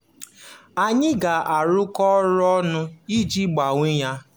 Anyị ga-arụkọ ọrụ ọnụ iji gbanwee ya!